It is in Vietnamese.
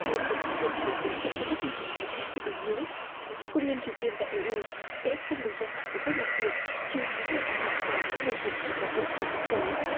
tiên được sử dụng để hỗ trợ cho các chương trình vũ khí của bình nhưỡng công nhân triều tiên tại e u sẽ không được gia hạn giấy phép làm việc trừ những người tị nạn và những người cần sự bảo vệ của quốc tế